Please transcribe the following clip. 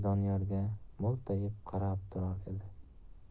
qarab turar edi